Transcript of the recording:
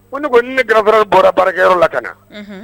Ne ne ko ne gfa bɔra baarakɛyɔrɔ la ka na